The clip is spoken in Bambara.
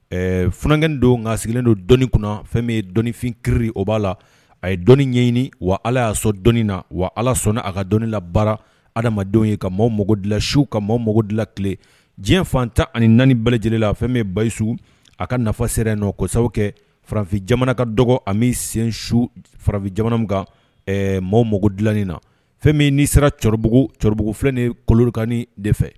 Furankɛ don nka sigilen don dɔni kunna fɛn bɛ ye dɔnfin kiiriri o b' la a ye dɔni ɲɛɲini wa ala y'a sɔrɔ dɔni na wa ala sɔnna a ka dɔn la baara adamadenw ye ka maaw dilan su ka mɔ mɔgɔw dilan tile diɲɛ fan tan ani naani bɛɛ lajɛlenla fɛn bɛ basiyisiw a ka nafa sera nɔ kosa kɛ farafin jamana ka dɔgɔ a bɛ sen su farafinja min kan maaw mako dilan in na fɛn min nii sera cɛkɔrɔba cɛkɔrɔba filɛ ni kolokan de fɛ